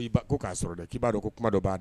'a dɔn k'a dɔn ko kuma b'